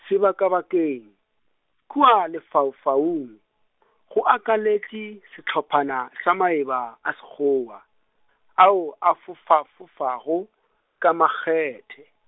sebakabakeng, kua lefaufaung , go akaletše sehlophana, sa maeba, a Sekgowa, ao a fofafofago, ka makgethe.